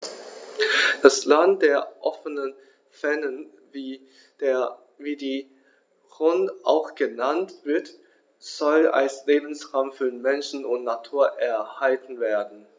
Das „Land der offenen Fernen“, wie die Rhön auch genannt wird, soll als Lebensraum für Mensch und Natur erhalten werden.